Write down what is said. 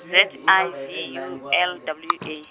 Z I V U L W A.